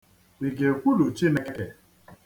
Ị ga-ekwulu Chineke?